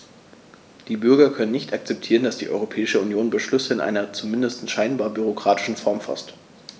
Die Bürger können nicht akzeptieren, dass die Europäische Union Beschlüsse in einer, zumindest scheinbar, bürokratischen Form faßt.